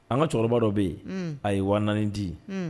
An ka cɛkɔrɔba dɔ bɛ yen a ye wa di